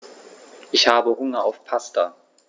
Ich habe Hunger auf Pasta.